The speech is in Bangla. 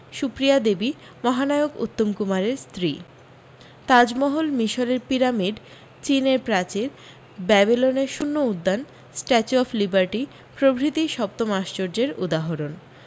সুপ্রিয়া দেবী মহানায়ক উত্তম কুমারের স্ত্রী তাজমহল মিশরের পিরামিড চীনের প্রাচীর ব্যাবিলনের শূন্য উদ্যান স্ট্যাচু অফ লিবারটি প্রভৃতি সপ্তম আশ্চর্যের উদাহরণ